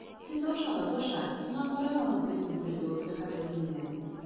Сез ашагыз, аша, миңа карамагыз,— дип бүлдерде ул Сәхәбетдинне.